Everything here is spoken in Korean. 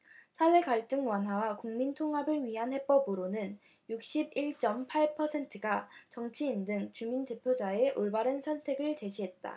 사회갈등 완화와 국민통합을 위한 해법으로는 육십 일 쩜 팔 퍼센트가 정치인 등 주민대표자의 올바른 선택을 제시했다